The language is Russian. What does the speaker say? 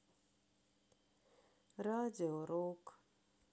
радио рок